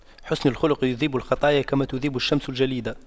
حُسْنُ الخلق يذيب الخطايا كما تذيب الشمس الجليد